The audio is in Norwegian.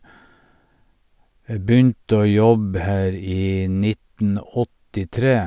Jeg begynte å jobbe her i nitten åttitre.